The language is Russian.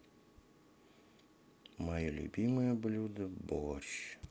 мое любимое блюдо борщ